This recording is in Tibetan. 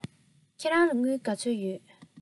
ཁྱེད རང ལ དངུལ ག ཚོད ཡོད